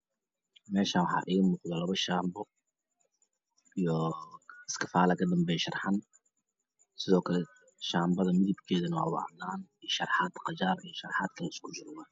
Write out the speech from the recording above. Meeshan waxaa iiga muuqdo labo shaambo iyo iskafaalo kadanbeyo sharxan sidookle shaambada midabkeedana waa cadaan iyo sharxaad qajaar iyo sharaaxad isku jiro